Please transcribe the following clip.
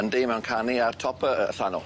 Yndi mae o'n canu ar top y y llanw.